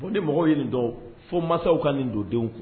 O ni mɔgɔ ye nin dɔn fo mansaw ka nin don denw kun